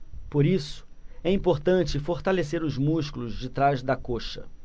por isso é importante fortalecer os músculos de trás da coxa